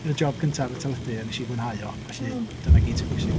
Y job cynta ar y teledu a wnes i fwynhau o, felly... m-hm. ...dyna gyd sy'n bwysig.